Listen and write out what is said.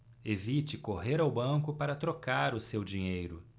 evite correr ao banco para trocar o seu dinheiro